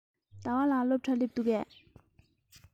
ཟླ བ ལགས སློབ གྲྭར སླེབས འདུག གས